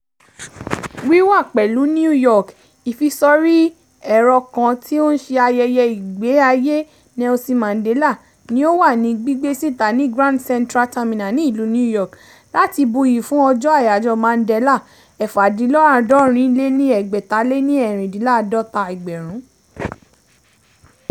Wíwà pẹ̀lú New York, ìfisórí ẹ̀rọ kan tí ó ń ṣe ayẹyẹ ìgbé ayé Nelson Mandela ni ó wà ní gbígbé síta ní Grand Central Terminal ní ìlú New York láti buyì fún ọjọ́ àyájọ́ Mandela 46664.